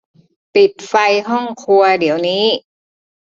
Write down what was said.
ปิดไฟห้องครัวเดี๋ยวนี้